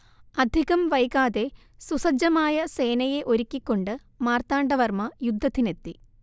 അധികം വൈകാതെ സുസജ്ജമായ സേനയെ ഒരുക്കിക്കൊണ്ട് മാർത്താണ്ടവർമ്മ യുദ്ധത്തിനെത്തി